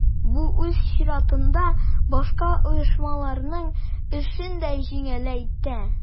Бу үз чиратында башка оешмаларның эшен дә җиңеләйтә.